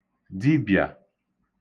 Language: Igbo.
dibià